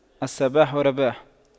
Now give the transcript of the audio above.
الصباح رباح